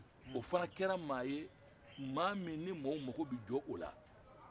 o fana kɛra maa ye maa min ni mɔɔw mako bɛ jɔ a la